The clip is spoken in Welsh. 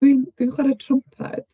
Dwi'n dwi'n chwarae trwmped.